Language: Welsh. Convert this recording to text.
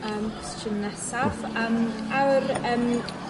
yym cwestiwn nesaf, yym a yw'r yym